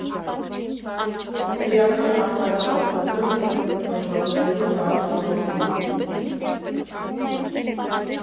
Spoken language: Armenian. Քրեական արդարադատության և Հանրային կարգի մասին։